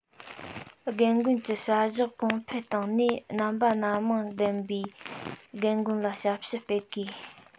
རྒན རྒོན གྱི བྱ གཞག གོང འཕེལ བཏང ནས རྣམ པ སྣ མང ལྡན པའི རྒན རྒོན ལ ཞབས ཞུ སྤེལ དགོས